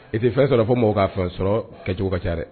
I tɛ fɛn sɔrɔ fɔ mɔgɔw k'a fa sɔrɔ kacogo ka ca dɛ